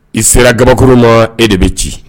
I sera kabakɔrɔ ma e de bɛ ci